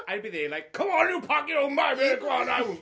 I'd be there, like, come on you pack your own bag, here go on now.